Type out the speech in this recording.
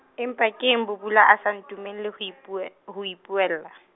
empa ke eng Bhabula a sa ntumella ho ipuel-, ho ipuella.